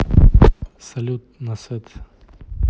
салют на сет